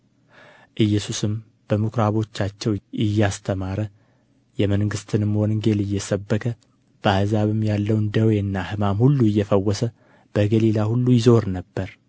ኢየሱስም በምኩራቦቻቸው እያስተማረ የመንግሥትንም ወንጌል እየሰበከ በሕዝብም ያለውን ደዌና ሕማም ሁሉ እየፈወሰ በገሊላ ሁሉ ይዞር ነበር